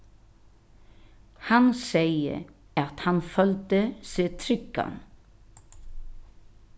hann segði at hann føldi seg tryggan